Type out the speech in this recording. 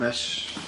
Miss.